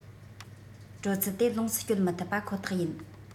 དྲོད ཚད དེ ལོངས སུ སྤྱོད མི ཐུབ པ ཁོ ཐག ཡིན